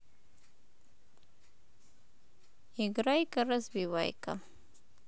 играйка развивайка